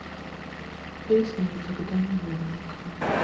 песня и тогда наверняка